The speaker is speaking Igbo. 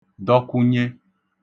dọkwụnye